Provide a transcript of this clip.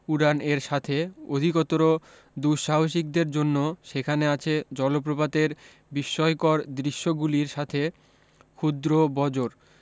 উড়ান এর সাথে অধিকতর দু সাহসিকদের জন্য সেখানে আছে জলপ্রপাতের বিসময়কর দৃশ্যগুলির সাথে ক্ষুদ্র বজর